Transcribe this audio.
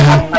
axa